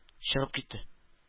Чыгып китте